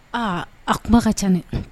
Aa a kuma ka ca ne